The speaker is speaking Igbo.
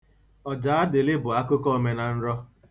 Ọjaadịlị bụ akụkọ omenanrọ.